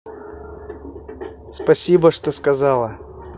спасибо что сказала